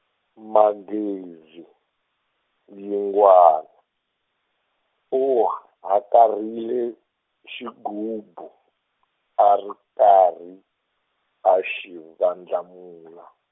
Magezi Yingwani u hakarhile xigubu a ri karhi a xi vandlamula.